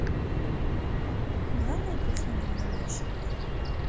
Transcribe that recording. главная песня дальнобойщиков